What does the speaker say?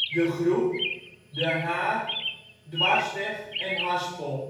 De Groep De Haar Dwarsweg Haspel